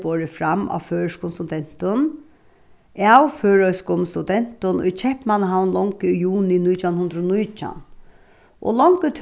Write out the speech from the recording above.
borið fram á føroyskum studentum av føroyskum studentum í keypmannahavn longu í juni nítjan hundrað og nítjan og longu